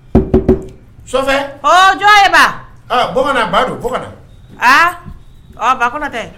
Jɔn ba don ba kɔnɔ tɛ